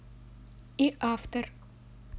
и автор